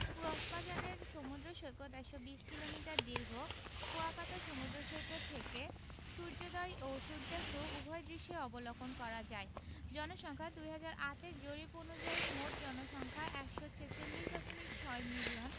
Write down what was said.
কক্সবাজারের সমুদ্র সৈকত ১২০ কিলোমিটার দীর্ঘ কুয়াকাটা সমুদ্র সৈকত থেকে সূর্যোদয় ও সূর্যাস্ত উভয় দৃশ্যই অবলোকন করা যায় জনসংখ্যাঃ ২০০৮ এর জরিপ অনুযায়ী মোট জনসংখ্যা ১৪৬দশমিক ৬ মিলিয়ন